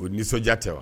O nisɔndiya tɛ wa